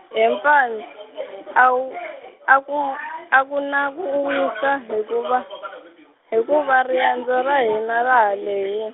he mpfan-, a wu- a ku a ku na ku wisa hikuva, hikuva riendzo ra hina ra ha lehi-.